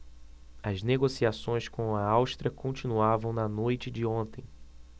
as negociações com a áustria continuavam na noite de ontem